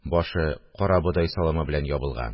Башы карабодай саламы белән ябылган